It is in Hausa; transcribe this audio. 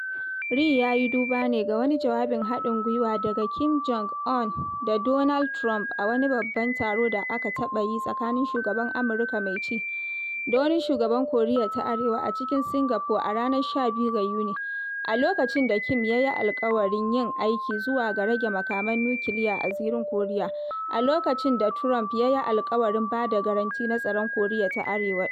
Ri ya yi duba ne ga wani jawabin haɗin gwiwa daga Kim Jong Un da Donald Trump a wani babban taro da aka taɓa yi tsakanin shugaban Amurka mai ci da wani shugaban Koriya ta Arewa a cikin Singapore a ranar 12 ga Yuni, a lokacin da Kim ya yi alƙawarin yin aiki zuwa ga "rage makaman nukiliya a zirin Koriya" a lokacin da Trump ya yi alƙawarin ba da garanti na tsaron Koriya ta Arewa din.